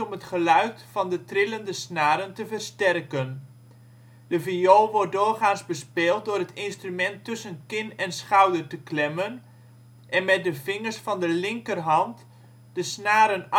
het geluid van de trillende snaren te versterken. De viool wordt doorgaans bespeeld door het instrument tussen kin en schouder te klemmen en met de vingers van de linkerhand de snaren